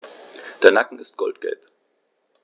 Der Nacken ist goldgelb.